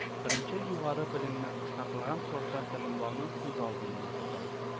Беренчел югары белемне кыскартылган срокта тәмамлауны күз алдында тота